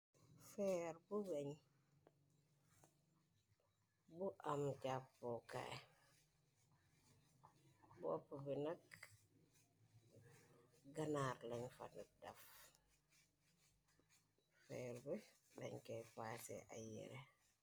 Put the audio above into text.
Feer bu bañ bu am jàppokaay bopp bi nakk ganaar lañ fanuk daf feer bi dañ koy paasee ay yere.